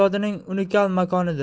ijodining unikal makonidir